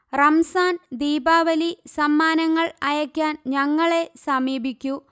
റംസാൻ ദീപാവലി സമ്മാനങ്ങൾ അയക്കാൻഞങ്ങളെ സമീപിയ്ക്കു